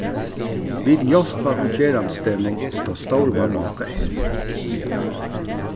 vit hjálpa í gerandisdegnum og tá stór vanlukka er